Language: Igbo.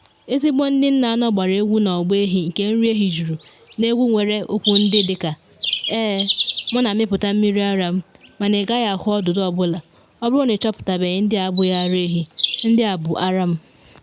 Ezigbo ndị nne anọ gbara egwu n’ọba ehi nke nri ehi juru n’egwu nwere okwu ndị dị ka: “Ee, m na amịpụta mmiri ara m, mana ị gaghị ahụ ọdụdụ ọ bụla ”Ọ bụrụ na ị chọpụtabeghị ndị a abụghị ara ehi, ndị a bụ ara m.”